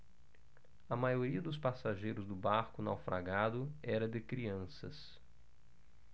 a maioria dos passageiros do barco naufragado era de crianças